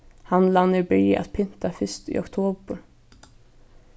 handlarnir byrja at pynta fyrst í oktobur